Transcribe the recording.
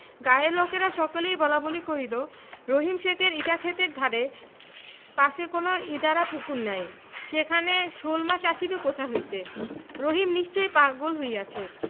গায়ের লোকেরা সকলেই বলাবলি করিল রহিম শেখের ইটাক্ষেতের ধারে পাশে কোনো ইদারা পুকুর নাই সেখানে শোলমাছ আসিবে কোথা হইতে রহিম নিশ্চয়ই পাগল হইয়াছে